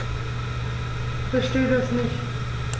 Verstehe das nicht.